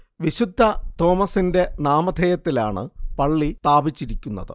വിശുദ്ധ തോമസിന്റെ നാമധേയത്തിലാണ് പള്ളി സ്ഥാപിച്ചിരിക്കുന്നത്